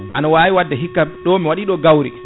aɗa wadde hikka ɗo mi waɗi ɗo gawri